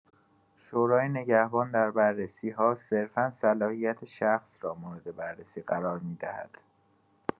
شورای نگهبان در بررسی‌ها، صرفا صلاحیت شخص را مورد بررسی قرار می‌دهد.